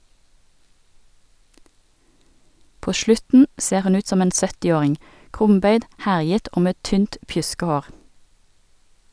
På slutten ser hun ut som en 70-åring, krumbøyd, herjet og med tynt pjuskehår.